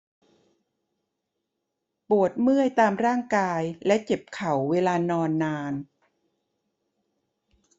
ปวดเมื่อยตามร่างกายและเจ็บเข่าเวลานอนนาน